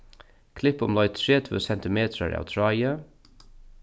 klipp umleið tretivu sentimetrar av tráði